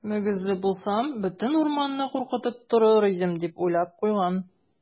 Мөгезле булсам, бөтен урманны куркытып торыр идем, - дип уйлап куйган.